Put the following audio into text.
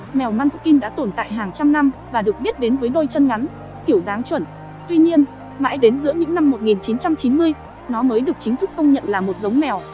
mèo munchkin đã tồn tại hàng trăm năm và được biết đến với đôi chân ngắn kiểu dáng chuẩn tuy nhiên mãi đến giữa những năm nó mới được chính thức công nhận là một giống mèo